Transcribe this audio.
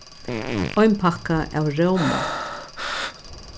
ein pakka av róma